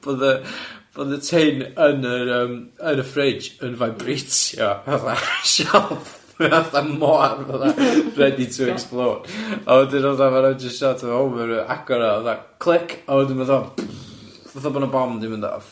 bod y bod y tun yn yr yym yn y fridge yn faibreitio fatha shelf fatha mor fatha ready to explode a wedyn fatha ma' nhw jyst siarad ti 'bod oh ma' nhw agor o fatha clic, a wedyn ma'n fatha bŵm, fatha bod 'na bom 'di mynd off.